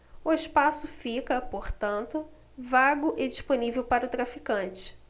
o espaço fica portanto vago e disponível para o traficante